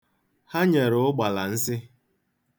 Ha nyere Ụgbala nsi.